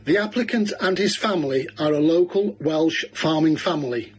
The applicant and his family are a local Welsh farming family.